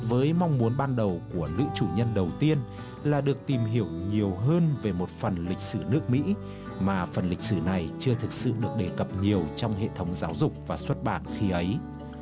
với mong muốn ban đầu của nữ chủ nhân đầu tiên là được tìm hiểu nhiều hơn về một phần lịch sử nước mỹ mà phần lịch sử này chưa thực sự được đề cập nhiều trong hệ thống giáo dục và xuất bản khi ấy